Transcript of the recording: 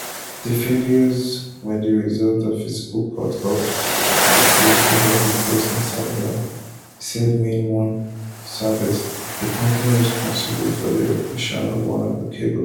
The failures were the result of physical cuts off the coasts of Ivory Coast and Senegal, said Main One Service, the company responsible for the operation of one of the cables.